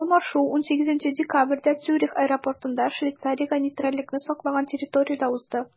Алмашу 18 декабрьдә Цюрих аэропортында, Швейцариягә нейтральлекне саклаган территориядә узды.